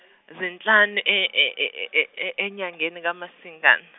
zinhlanu e- e- e- e- e- e- enyangeni kaMasingana.